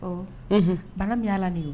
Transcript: Ɔ un bana min y' de don